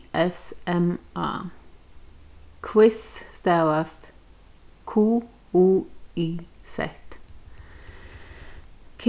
s m a quiz stavast q u i z